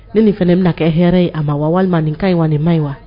Ni nin fana bɛna kɛ hɛrɛ ye a ma wa walima nin ka ɲi wa nin